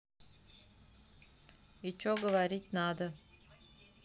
и че говорить надо